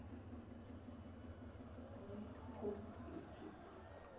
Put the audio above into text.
лейбл ком ютуб